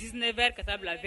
Ne bɛ ka taa bila a fɛ